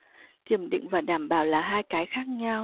kiểm định và đảm bảo là hai cái khác nhau